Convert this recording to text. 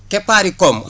keppaari koom